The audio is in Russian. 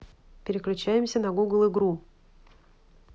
переключаемся на google игру